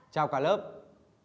chào cả lớp